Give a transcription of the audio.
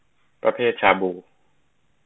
ประเภทชาบู